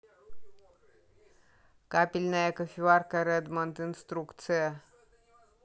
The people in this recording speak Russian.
капельная кофеварка редмонд инструкция